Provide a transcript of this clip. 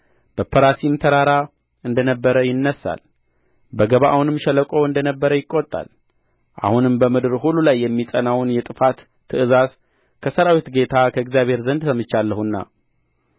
በፐራሲም ተራራ እንደ ነበረ ይነሣል በገባዖንም ሸለቆ እንደ ነበረ ይቈጣል አሁንም በምድር ሁሉ ላይ የሚጸናውን የጥፋት ትእዛዝ ከሠራዊት ጌታ ከእግዚአብሔር ዘንድ ሰምቻለሁና